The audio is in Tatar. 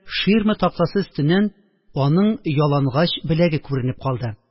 Ширма тактасы өстеннән аның ялангач беләге күренеп калды